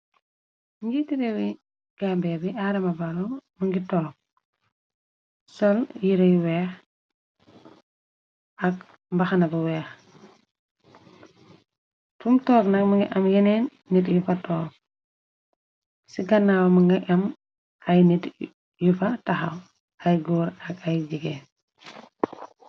Njiiti réewi gambia bi adama baro mu ngi toog sol yirayu weex ak mbaxana bu weex fum toog nak ma nga am yeneen nit yu fa toog ci gannaaw ma nga am ay nit yu fa taxaw ay góor ak ay jigéen.